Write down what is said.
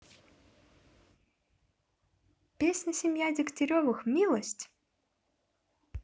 песня семья дегтяревых милость